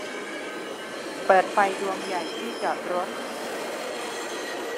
เปิดไฟดวงใหญ่ที่จอดรถ